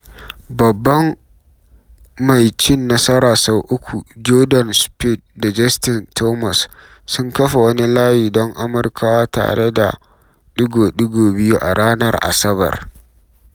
Babban mai cin nasara sau uku Jordan Spieth da Justin Thomas sun kafa wani layi don Amurkawa tare da ɗigo-ɗigo biyu a ranar Asabar.